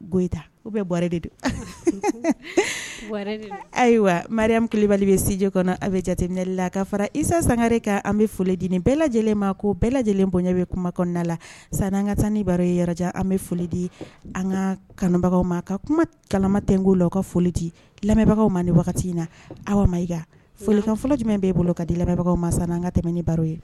Ta u bɛɔrrɛ de don ayiwa marialibali bɛ sji kɔnɔ a bɛ jate nelilila la a ka fara isa sangare kan an bɛ foli di nin bɛɛ lajɛlen ma ko bɛɛ lajɛlen bonya bɛ kuma kɔnɔnada la san an ka tan ni baro ye ara an bɛ foli di an ka kanbagaw ma ka kuma kalama tɛ ko la u ka foli di lamɛnbagaw ma ni wagati in na aw ma i folikanfɔlɔ jumɛn bɛɛ bolo ka dibagaw ma san an ka tɛmɛ ni baro ye